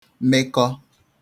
mekọ